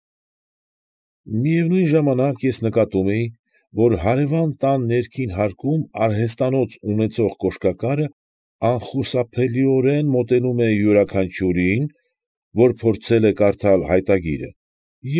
Միևնույն ժամանակ ես նկատում էի, որ հարևան տան ներքինհարկում արհեստանոց ունեցող կոշկակարը անխուսափելիորեն մոտենում է յուրաքանչյուրին, որ փորձել է կարդալ հայտագիրը, և։